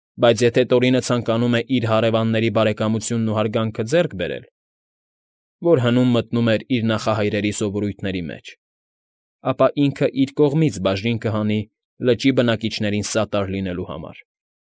Բայց եթե Տորինը ցանկանում է իր հարևանների բարեկամությունն ու հարգանքը ձեռք բերել, որ հնում մտնում էր իր նախահայրերի սովորույթների մեջ, ապա ինքը իր կողմից բաժին կհանի լճի բնակիչներին սատար լինելու համար։